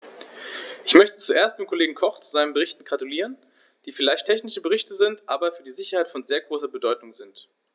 Ich möchte zuerst dem Kollegen Koch zu seinen Berichten gratulieren, die vielleicht technische Berichte sind, aber für die Sicherheit von sehr großer Bedeutung sind.